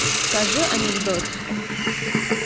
скажи анекдот